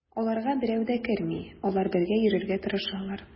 Аларга берәү дә керми, алар бергә йөрергә тырышалар.